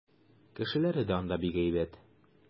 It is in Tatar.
Кешеләре дә анда бик әйбәт.